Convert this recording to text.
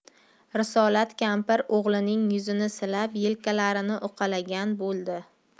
risolat kampir o'g'lining yuzini silab yelkalarini uqalagan bo'ldi